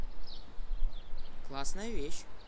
классная вещь